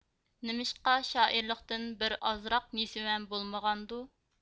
نېمىشقا شائىرلىقتىن بىر ئازراق نېسىۋەم بولمىغاندۇ